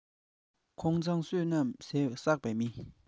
ཁོང མཛངས བསོད ནམས བསགས པའི མི